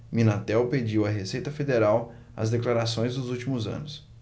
minatel pediu à receita federal as declarações dos últimos anos